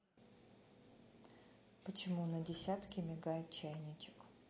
почему на десятке мигает чайничек